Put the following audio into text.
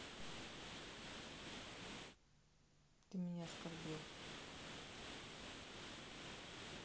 ты меня оскорбил